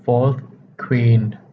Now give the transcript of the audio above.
โฟธควีน